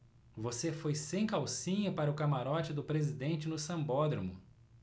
você foi sem calcinha para o camarote do presidente no sambódromo